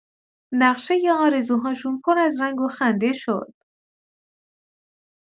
نقشۀ آرزوهاشون پر از رنگ و خنده شد.